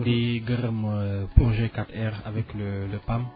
di gërëm projet 4R avec le le PAM